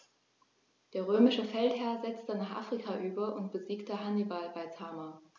Der römische Feldherr setzte nach Afrika über und besiegte Hannibal bei Zama.